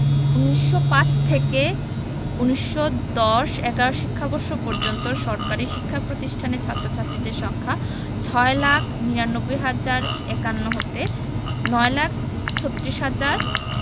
১৯০৫ থেকে ১৯১০ ১১ শিক্ষাবর্ষ পর্যন্ত সরকারি শিক্ষা প্রতিষ্ঠানের ছাত্র ছাত্রীদের সংখ্যা ৬ লাক ৯৯ হাজার ৫১ হতে ৯ লাক ৩৬ হাজার